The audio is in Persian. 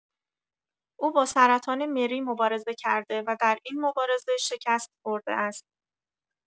او با سرطان مری مبارزه کرده و در این مبارزه شکست‌خورده است.